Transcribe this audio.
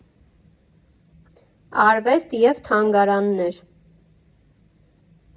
ԱՐՎԵՍՏ ԵՎ ԹԱՆԳԱՐԱՆՆԵՐ։